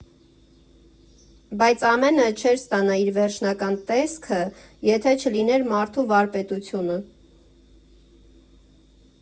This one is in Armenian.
Բայց ամենը չէր ստանա իր վերջնական տեսքը, եթե չլիներ մարդու վարպետությունը։